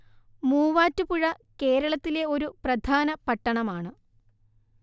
മൂവാറ്റുപുഴ കേരളത്തിലെ ഒരു പ്രധാന പട്ടണമാണ്